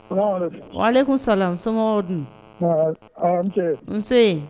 Ale kun sa so dun nse